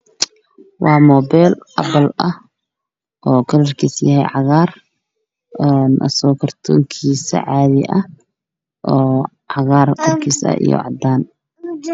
Halkaan waxaa ka muuqdo qolofka mobile iPhone midabka qolofka waa cadaan iyo cagaar iyo mobile iPhone ka oo cagaar ah